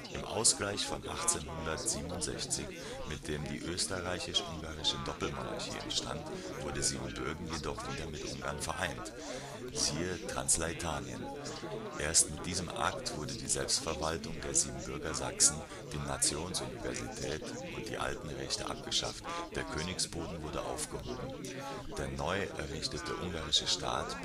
Im Ausgleich von 1867, mit dem die österreichisch-ungarische Doppelmonarchie entstand, wurde Siebenbürgen jedoch wieder mit Ungarn vereint (siehe Transleithanien). Erst mit diesem Akt wurde die Selbstverwaltung der Siebenbürger Sachsen, die Nationsuniversität und die alten Rechte abgeschafft, der Königsboden wurde aufgehoben. Der neu errichtete ungarische Staat